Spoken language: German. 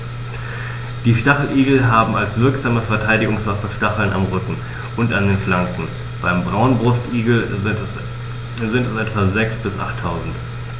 Die Stacheligel haben als wirksame Verteidigungswaffe Stacheln am Rücken und an den Flanken (beim Braunbrustigel sind es etwa sechs- bis achttausend).